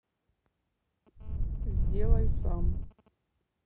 сделай сам